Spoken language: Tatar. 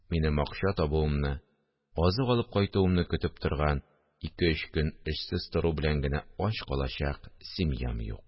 Минем акча табуымны, азык алып кайтуымны көтеп торган, ике-өч көн эшсез тору белән генә ач калачак семьям юк